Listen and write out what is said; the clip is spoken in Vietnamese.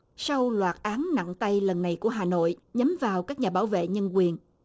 sau loạt án nặng tay lần này của hà nội nhắm vào các nhà bảo vệ nhân quyền